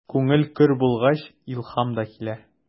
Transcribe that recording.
Күңел көр булгач, илһам да килә.